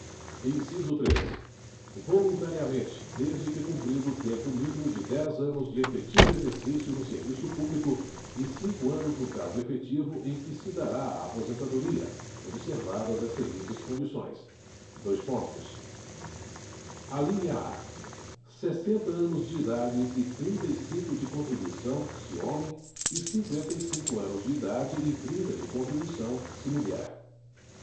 inciso três voluntariamente desde que cumprido tempo mínimo de dez anos de efetivo exercício no serviço público e cinco anos no cargo efetivo em que se dará a aposentadoria observadas as seguintes condições dois pontos alínea a sessenta anos de idade e trinta e cinco de contribuição se homem e cinqüenta e cinco anos de idade e trinta de contribuição se mulher